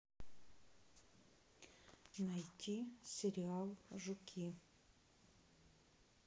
найти сериал жуки